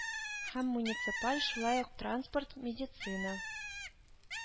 Һәм муниципаль, шулай ук транспорт, медицина